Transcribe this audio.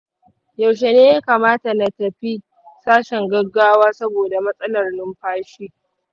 yaushe ne ya kamata na tafi sashen gaggawa saboda matsalar numfashi?